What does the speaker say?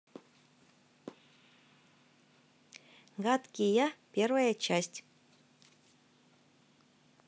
гадкий я первая часть